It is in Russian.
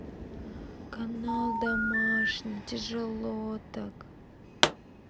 канал домашний тяжело так